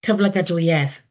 Cyflogadwyedd.